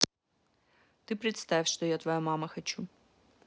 ты представь что я твоя мама хочу